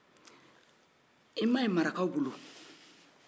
i ma ye marakaw bolo